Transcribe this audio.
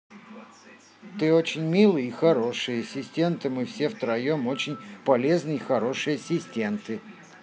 ты очень милый и хороший ассистента мы все втроем очень полезные и хорошие ассистенты